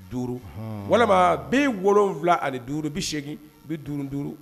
Duuru walima b wolowula ani duuru bɛ segingin bɛ duuru duuru